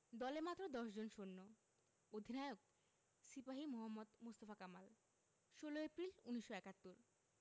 দলে মাত্র দশজন সৈন্য অধিনায়ক সিপাহি মোহাম্মদ মোস্তফা কামাল ১৬ এপ্রিল ১৯৭১